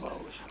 infra rouge